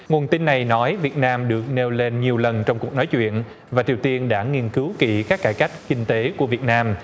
nguồn tin này nói việt nam được nêu lên nhiều lần trong cuộc nói chuyện và triều tiên đã nghiên cứu kỹ các cải cách kinh tế của việt nam